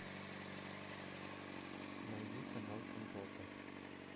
найди канал компота